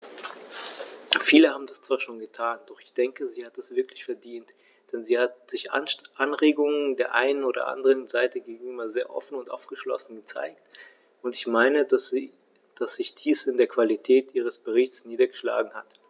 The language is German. Viele haben das zwar schon getan, doch ich denke, sie hat es wirklich verdient, denn sie hat sich Anregungen der einen und anderen Seite gegenüber sehr offen und aufgeschlossen gezeigt, und ich meine, dass sich dies in der Qualität ihres Berichts niedergeschlagen hat.